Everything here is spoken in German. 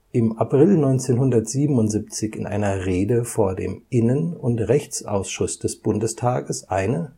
im April 1977 in einer Rede vor dem Innen - und Rechtsausschuss des Bundestages eine